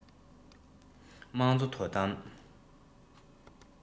དམངས གཙོ དོ དམ